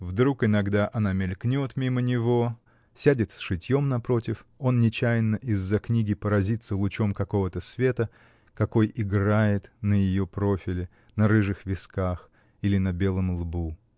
Вдруг иногда она мелькнет мимо него, сядет с шитьем напротив, он нечаянно из-за книги поразится лучом какого-то света, какой играет на ее профиле, на рыжих висках или на белом лбу.